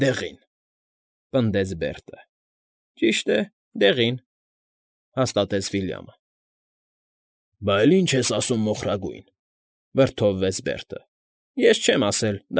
Դեղին,֊ պնդեց Բերտը։ ֊ Ճիշտ է, դեղին,֊ հաստատեց Վիլյամը։ ֊ Բա էլ ի՞նչ ես ասում՝ մոխարգույն,֊ վրդովվեց Բերտը։ ֊ Ես չեմ ասել։